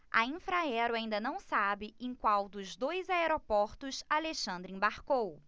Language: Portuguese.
a infraero ainda não sabe em qual dos dois aeroportos alexandre embarcou